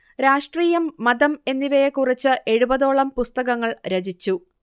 രാഷ്ട്രീയം മതം എന്നിവയെക്കുറിച്ച് എഴുപതോളം പുസ്തകങ്ങൾ രചിച്ചു